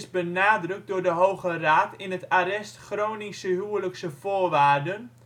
benadrukt door de Hoge Raad in het arrest " Groningse Huwelijkse Voorwaarden